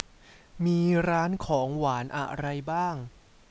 มีร้านของหวานอะไรบ้าง